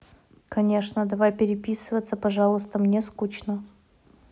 конечно давай переписываться пожалуйста мне скучно